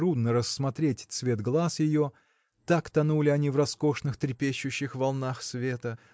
трудно рассмотреть цвет глаз ее – так тонули они в роскошных трепещущих волнах света